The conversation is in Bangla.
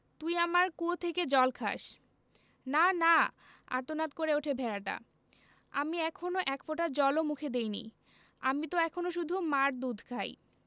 তুই আমার কুয়ো থেকে জল খাস না না আর্তনাদ করে ওঠে ভেড়াটা আমি এখনো এক ফোঁটা জল ও মুখে দিইনি আমি ত এখনো শুধু মার দুধ খাই